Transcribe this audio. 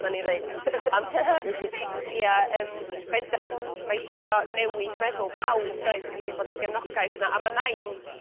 'dyn ni ddeud a m- ia yym bendant ma' isio newid meddwl pawb does wedyn bod y gefnogaeth 'na a ma' nain